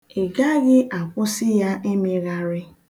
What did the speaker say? Ị gaghị akwụsị ya ịmịgharị.